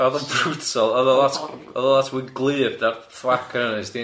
Oedd o'n brutal, oedd o lot oedd o lot mwy glyb na'r thwac na nes di neud.